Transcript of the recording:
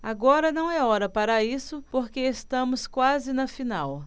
agora não é hora para isso porque estamos quase na final